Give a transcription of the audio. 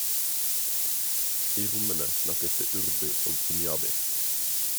I rommene snakkes det urdu og punjabi.